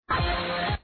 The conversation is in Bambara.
San